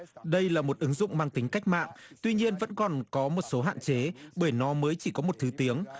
đây là một ứng dụng mang tính cách mạng tuy nhiên vẫn còn có một số hạn chế bởi nó mới chỉ có một thứ tiếng